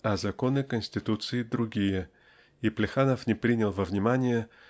а законы конституции -- другие" и Плеханов не принял во внимание